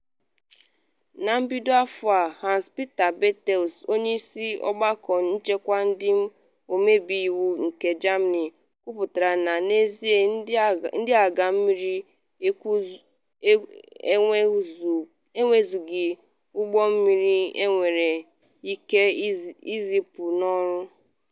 Na mbido afọ a, Hans-Peter Bartels, onye isi ọgbakọ nchekwa ndị ọmebe iwu nke Germany, kwuputara na n’ezie Ndị Agha Mmiri “enwezughịzi ụgbọ mmiri enwere ike zipu n’ọrụ.”